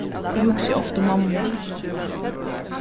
eg hugsi ofta um mammu mína